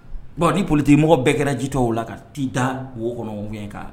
Bon ni'i polite i mɔgɔ bɛɛ kɛra jitɔw la ka ti da wokɔnɔ kan